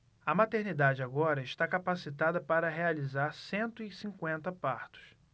a maternidade agora está capacitada para realizar cento e cinquenta partos